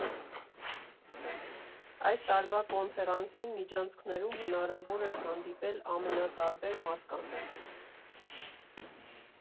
Այս տարվա (չ)կոնֆերանսին միջանցքներում հնարավոր էր հանդիպել ամենատարբեր մարդկանց.